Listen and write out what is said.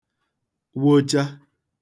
wocha